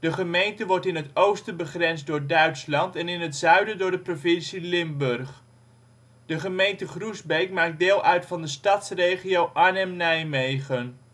gemeente wordt in het oosten begrensd door Duitsland en in het zuiden door de provincie Limburg. De gemeente Groesbeek maakt deel uit van de Stadsregio Arnhem-Nijmegen